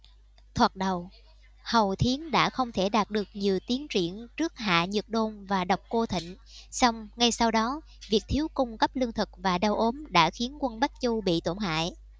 thoạt đầu hầu thiến đã không thể đạt được nhiều tiến triển trước hạ nhược đôn và độc cô thịnh song ngay sau đó việc thiếu cung cấp lương thực và đau ốm đã khiến quân bắc chu bị tổn hại